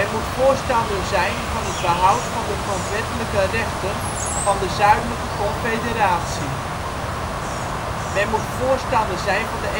moet voorstander zijn van het behoud van de grondwettelijke rechten van de Zuidelijke Confederatie. 9. Men moet voorstander zijn van de